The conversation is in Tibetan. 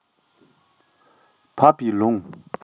འཕགས པའི ལུང